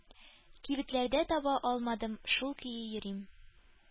Кибетләрдә таба алмадым, шул көе йөрим.